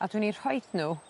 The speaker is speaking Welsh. a dwi'n 'u rhoid n'w